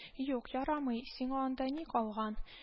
— юк, ярамый. сиңа анда ни калган